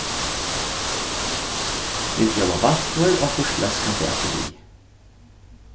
vit bjóða vaflur og okkurt leskandi afturvið